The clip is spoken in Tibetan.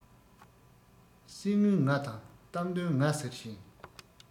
གསེར དངུལ ང དང གཏམ དོན ང ཟེར ཞིང